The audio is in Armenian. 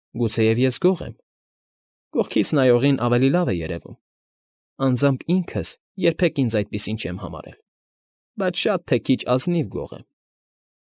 Գուցեև ես Գող եմ, կողքից նայողին՝ ավելի լավ է երևում, անձամբ ինքս երբեք ինձ այդպիսին չեմ համարել, բայց շատ թե քիչ ազնիվ Գող եմ։